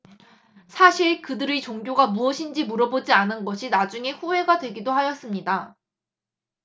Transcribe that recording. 사실 그들의 종교가 무엇인지 물어보지 않은 것이 나중에 후회가 되기도 하였습니다